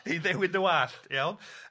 I ddewid dy wallt, iawn?